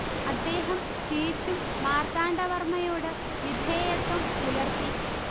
അദ്ദേഹം തിരിച്ചും മാർത്താണ്ഡ വർമ്മയോട് വിധേയത്വം പുലർത്തി